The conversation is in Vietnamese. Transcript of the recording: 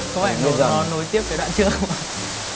có phải nó nối tiếp cái đoạn trước không ạ